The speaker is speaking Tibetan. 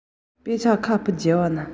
ཡིན ཡང བཀྲ བཟང ཟེར བའི ཐན ཕྲུག དེས